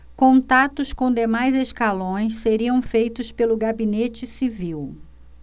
contatos com demais escalões seriam feitos pelo gabinete civil